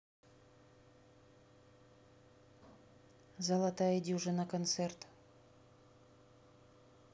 золотая дюжина концерт